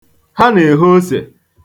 Ha na-eho ose.